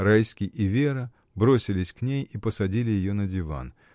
Райский и Вера бросились к ней и посадили ее на диван.